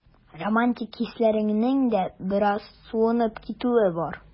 Романтик хисләреңнең дә бераз суынып китүе бар.